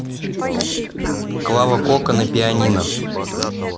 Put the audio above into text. клава кока на пианино